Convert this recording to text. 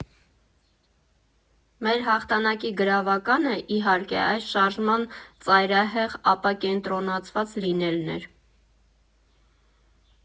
Մեր հաղթանակի գրավականը, իհարկե, այս շարժման ծայրահեղ ապակենտրոնացված լինելն էր։